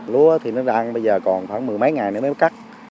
lúa thì nó đang bây giờ còn khoảng mười mấy ngày nữa mới cắt